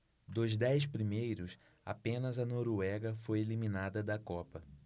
dos dez primeiros apenas a noruega foi eliminada da copa